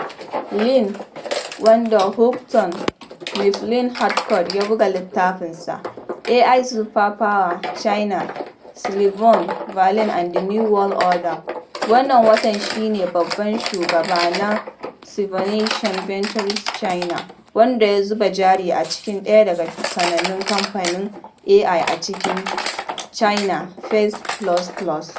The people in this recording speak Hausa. Lee, wanda Houghton Mifflin Harcourt ya buga littafinsa "AI Superpowers: China, Silicon Valley and the New World Order" wannan watan, shi ne Babban Shugaba na Sinovation Ventures China, wanda ya zuba jari a cikin daya daga sanannun kamfanonin AI a cikin China, Face++.